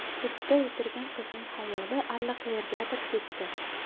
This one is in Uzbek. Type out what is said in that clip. pultda o'tirgan qizning hayoli allaqayergadir ketti